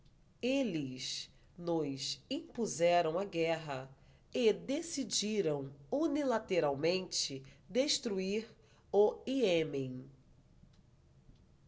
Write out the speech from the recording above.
eles nos impuseram a guerra e decidiram unilateralmente destruir o iêmen